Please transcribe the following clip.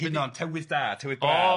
Hinon tywydd da tywydd braf...